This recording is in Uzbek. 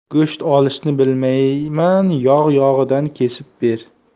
go'sht olishni bilmayman yog' yog'idan kesib ber